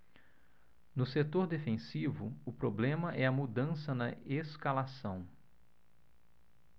no setor defensivo o problema é a mudança na escalação